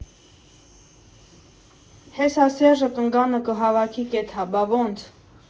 Հեսա Սեռժը կնգանը կհավքի կեթա, բա ոնց։